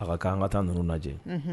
A ka k ko anan ka taa ninnu lajɛ